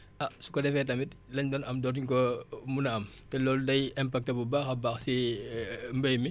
ah su ko defee tamit lañ doon am dootuñ ko mun a am te loolu day impacter bu baax a baax si mbéy mi